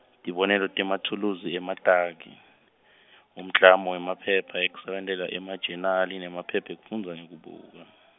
tibonelo temathuluzi emataki, umklamo wemaphepha ekusebentela emajenali nemaphepha ekufundza ngekubuka.